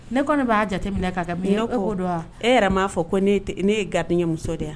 Ne kɔni b'a jate minɛ ka kɛ min ye, e ko don wa, e yɛrɛ m'a fɔ ko ne ye gardien muso de ye